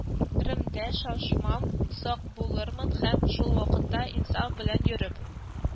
Ремдә шашмам, сак булырмын, һәм шул вакытта инсаф белән йөреп,